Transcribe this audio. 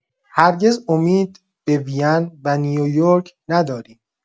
هرگز امید به وین و نیویورک نداریم.